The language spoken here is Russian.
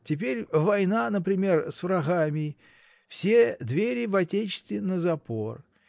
Теперь война, например, с врагами: все двери в отечестве на запор.